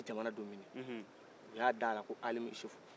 a ye jamana domine u y'a dala ko alimusufu